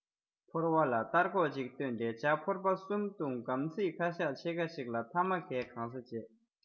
ཕོར བ ལ སྟར ཁོག ཅིག བཏོན ཏེ ཇ ཕོར པ གསུམ བཏུངས སྒམ ཚིག ཁ བཤགས ཕྱེད ཁ ཞིག ལ ཐ མ ཁའི གང ཟེ བྱས